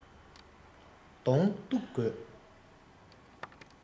གདོང གཏུག དགོས